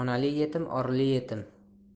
onali yetim orli yetim